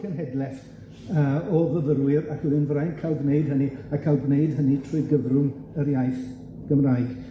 cenhedleth yy o fyfyrwyr ac o'dd yn fraint ca'l gwneud hynny a ca'l gwneud hynny trwy gyfrwng yr iaith Gymraeg.